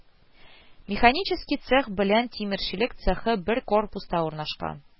Механический цех белән тимерчелек цехы бер корпуста урнашкан